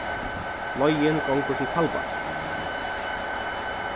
leiðin gongur til kaldbaks